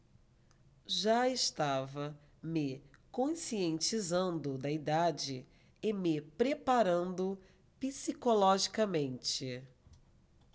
já estava me conscientizando da idade e me preparando psicologicamente